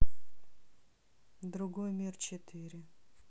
другой мир четыре